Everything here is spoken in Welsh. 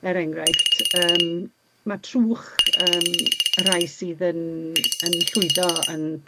Er enghraifft yym ma' trwch yym rai sydd yn yn llwyddo yn